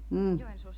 mm